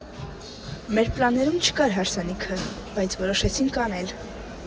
Մեր պլաններում չկար հարսանիքը, բայց որոշեցինք անել։